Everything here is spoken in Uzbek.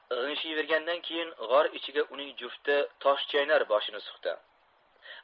g'ingshiyvergandan keyin g'or ichiga uning jufti toshchaynar boshini suqdi